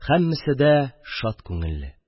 Һәммәсе дә шат күңелле